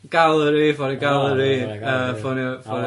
Galeri, ffonio Galeri, yy ffonio ffonio...